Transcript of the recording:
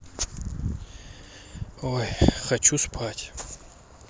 ой хочу спать